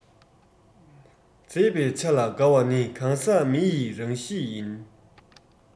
མཛེས པའི ཆ ལ དགའ བ ནི གང ཟག མི ཡི རང གཤིས ཡིན